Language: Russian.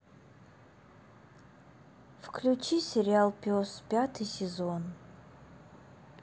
включи сериал пес пятый сезон